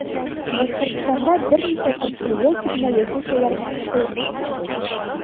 Башкортстанда берничә предприятие генә яшелчәләрне кышкылыкка саклый.